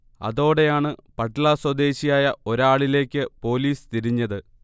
അതോടെയാണ് പട്ള സ്വദേശിയായ ഒരാളിലേക്ക് പൊലീസ് തിരിഞ്ഞത്